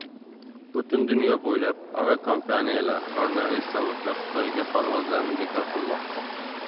butun dunyo bo'ylab aviakompaniyalar koronavirus sababli xitoyga parvozlarni bekor qilmoqda